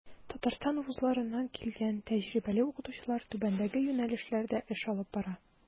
Татарстан вузларыннан килгән тәҗрибәле укытучылар түбәндәге юнәлешләрдә эш алып бара.